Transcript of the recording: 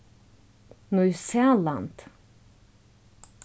nýsæland